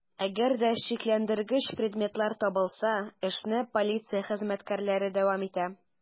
Әгәр дә шикләндергеч предметлар табылса, эшне полиция хезмәткәрләре дәвам итә.